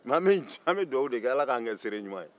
nka an bɛ dubabu de kɛ ala ka an kɛ seere ɲuman ye